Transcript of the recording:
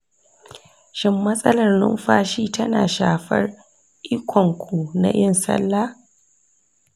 shin matsalar numfashi tana shafar ikonku na yin sallah?